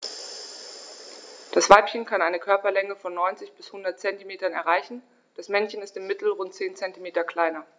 Das Weibchen kann eine Körperlänge von 90-100 cm erreichen; das Männchen ist im Mittel rund 10 cm kleiner.